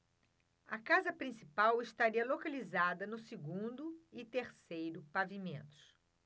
a casa principal estaria localizada no segundo e terceiro pavimentos